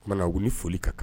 O kumana u ni foli ka kan.